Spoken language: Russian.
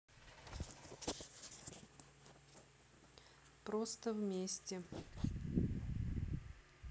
просто вместе